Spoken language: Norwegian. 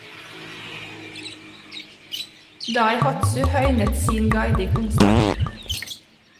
Daihatsu høynet sin guiding onsdag.